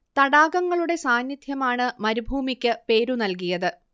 തടാകങ്ങളുടെ സാന്നിദ്ധ്യമാണ് മരുഭൂമിക്ക് പേരു നൽകിയത്